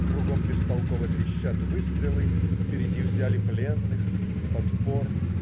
Кругом бестолково трещат выстрелы. Впереди взяли пленных. Подпор.